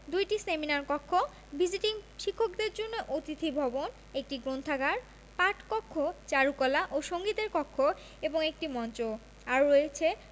২টি সেমিনার কক্ষ ভিজিটিং শিক্ষকদের জন্য অতিথি ভবন একটি গ্রন্থাগার পাঠকক্ষ চারুকলা ও সঙ্গীতের কক্ষ এবং একটি মঞ্চ আরও রয়েছে